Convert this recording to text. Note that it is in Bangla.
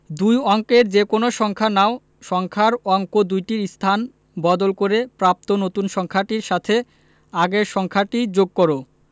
দুই অঙ্কের যেকোনো সংখ্যা নাও সংখ্যার অঙ্ক দুইটির স্থান বদল করে প্রাপ্ত নতুন সংখ্যাটির সাথে আগের সংখ্যাটি যোগ কর